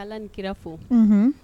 Ala ni kira fo. Unhun